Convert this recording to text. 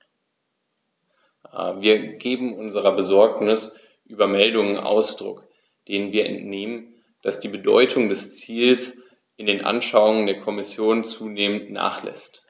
Wir geben unserer Besorgnis über Meldungen Ausdruck, denen wir entnehmen, dass die Bedeutung dieses Ziels in den Anschauungen der Kommission zunehmend nachlässt.